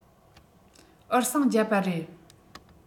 འུར ཟིང བརྒྱབ པ རེད